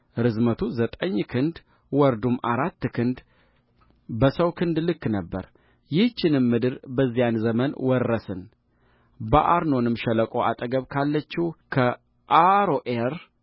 ርዝመቱ ዘጠኝ ክንድ ወርዱም አራት ክንድ በሰው ክንድ ልክ ነበረይህችንም ምድር በዚያን ዘመን ወረስን በአርኖንም ሸለቆ አጠገብ ካለችው ከአሮዔር